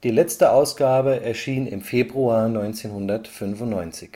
letzte Ausgabe erschien im Februar 1995